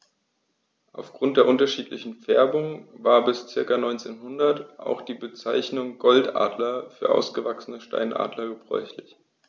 Auf Grund der unterschiedlichen Färbung war bis ca. 1900 auch die Bezeichnung Goldadler für ausgewachsene Steinadler gebräuchlich.